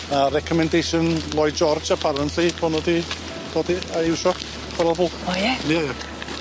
A recomendation Lloyd George apparently bo' nw 'di dod i a iwsio O ie? Ie ie.